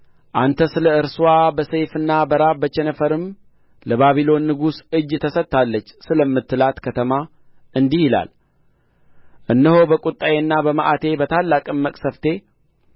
አንተ ስለ እርስዋ በሰይፍና በራብ በቸነፈርም ለባቢሎን ንጉሥ እጅ ተሰጥታለች ስለምትላት ከተማ እንዲህ ይላል እነሆ በቍጣዬና በመዓቴ በታላቅም መቅሠፍቴ